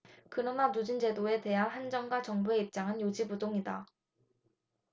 그러나 누진제도에 대한 한전과 정부의 입장은 요지부동이다